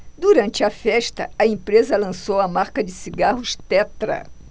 durante a festa a empresa lançou a marca de cigarros tetra